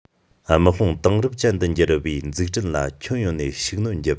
དམག དཔུང དེང རབས ཅན དུ འགྱུར བའི འཛུགས སྐྲུན ལ ཁྱོན ཡོངས ནས ཤུགས སྣོན བརྒྱབ